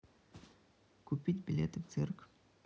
купить билеты в цирк